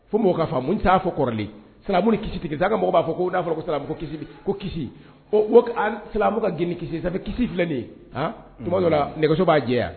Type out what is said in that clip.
Fo mɔgɔw ka fa t'a fɔ kɔrɔlen sinabu kisi kisisa ka mɔgɔw b'a fɔ ko'a fɔ kobu ko kisi ka g kisi sa kisi filɛin ye tuma nɛgɛso b'a jɛ wa